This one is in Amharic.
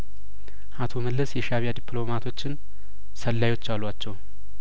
አቶ መለስ የሻእቢያዲፕሎማቶችን ሰላዮች አሏቸው